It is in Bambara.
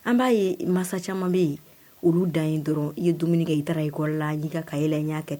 An b'a ye masa caman bɛ yen olu dan in dɔrɔn i ye dumuni kɛ i taara i kɔrɔ la'i ka yɛlɛ la ɲɛ kɛ